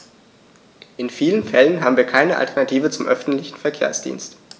In vielen Fällen haben wir keine Alternative zum öffentlichen Verkehrsdienst.